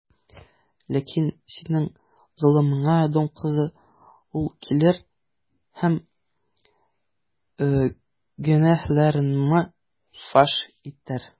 Ләкин синең золымыңа, Эдом кызы, ул килер һәм гөнаһларыңны фаш итәр.